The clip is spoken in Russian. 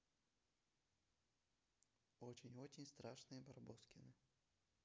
очень очень страшные барбоскины